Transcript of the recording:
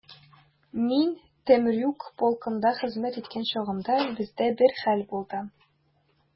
Мин Темрюк полкында хезмәт иткән чагымда, бездә бер хәл булды.